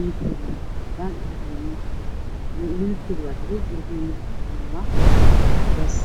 leh background kana waa cadays